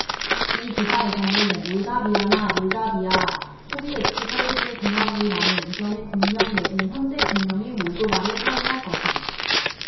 이 기사에서는 몰다비아나 몰다비아 소비에트 사회주의 공화국이라는 이전의 국명 대신 현재 국명인 몰도바를 사용할 것임